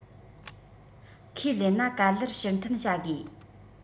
ཁས ལེན ན ག ལེར ཕྱིར འཐེན བྱ དགོས